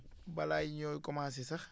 balaay ñooy commencé sax